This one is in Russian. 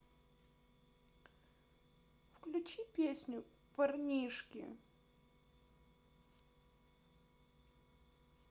включи песню парнишки